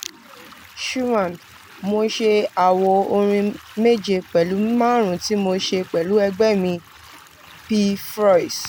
Xuman mo ṣe àwo orin 7, pẹ̀lú 5 tí mo ṣe pẹ̀lú ẹgbẹ́ mi Pee Froiss.